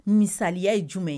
Misaliya ye jumɛn ye